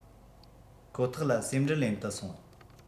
ཁོ ཐག ལ ཟེའུ འབྲུ ལེན དུ སོང